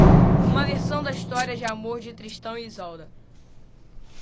uma versão da história de amor de tristão e isolda